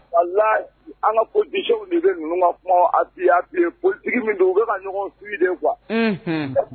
Walayi an ka politiciens de bi nunun ka kumaw appuyer appuyer . Politique min u bi ka ka ɲɔgɔn suis de kuwa.